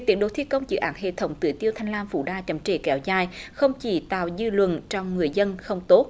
tiến độ thi công dự án hệ thống tưới tiêu thanh lam phủ đa chậm trễ kéo dài không chỉ tạo dư luận trong người dân không tốt